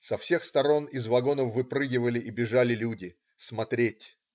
Со всех сторон из вагонов выпрыгивали и бежали люди: смотреть.